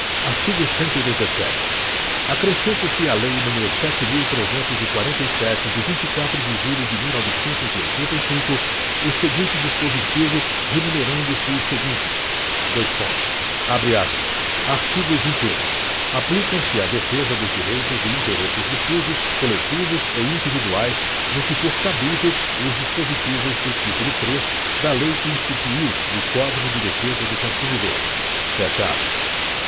artigo cento e dezessete acrescente se à lei número sete mil trezentos e quarenta e sete de vinte e quatro de julho de mil novecentos e oitenta e cinco o seguinte dispositivo renumerando se os seguintes dois pontos abre aspas artigo vinte e um aplicam se à defesa dos direitos e interesses difusos coletivos e individuais no que for cabível os dispositivos do título três da lei que instituiu o código de defesa do consumidor fecha aspas